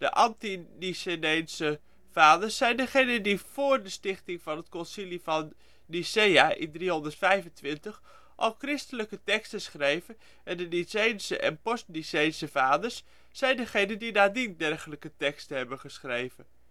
anteniceneense vaders zijn degene die vóór de stichting van het Concilie van Nicea (325) al christelijke teksten schreven en de niceense en postniceense vaders, zijn degene die nadien dergelijke teksten hebben geschreven